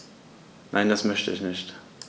Nein, das möchte ich nicht.